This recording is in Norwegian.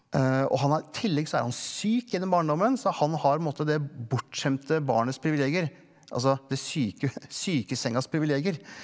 og han er i tillegg så er han syk gjennom barndommen så han har på en måte det bortskjemte barnets privilegier altså det syke sykesengas privilegier.